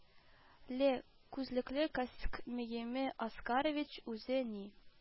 Ле, күзлекле каськ мееме оскарович үзе ни